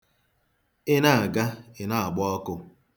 Ị na-aga, ị na-agba ọkụ.